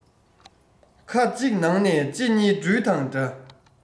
ཁ གཅིག ནང ནས ལྕེ གཉིས སྦྲུལ དང འདྲ